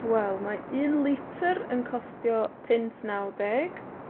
wel, mae un lityr yn costio punt naw deg,